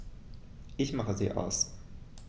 Ich mache sie aus.